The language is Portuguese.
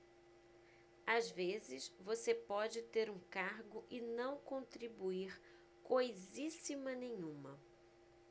às vezes você pode ter um cargo e não contribuir coisíssima nenhuma